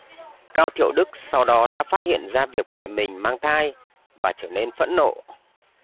cao thiệu đức sau đó đã phát hiện ra việc mẹ mình mang thai và trở nên phẫn nộ